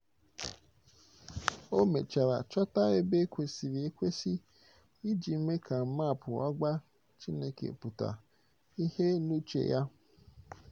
O mechara chọta ebe kwesịrị ekwesị iji mee ka maapụ ọgba Chineke pụta ihe n'uche ya.